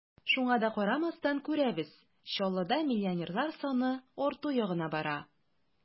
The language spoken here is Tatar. Шуңа да карамастан, күрәбез: Чаллыда миллионерлар саны арту ягына бара.